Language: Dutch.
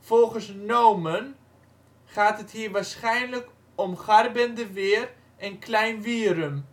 Volgens Noomen (1996) gaat het hier waarschijnlijk om Garbendeweer en Klein Wierum